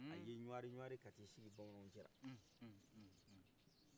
ay'i ɲuari ɲuari ka t'i sigi bamananw cɛla